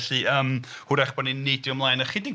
Felly yym hwyrach bod ni'n neidio ymlaen ychydig.